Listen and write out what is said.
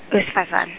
owesifazana.